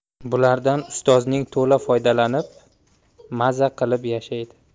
bulardan ustozing to'la foydalanib maza qilib yashadi